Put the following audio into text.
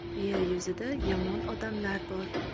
yer yuzida yomon odamlar bor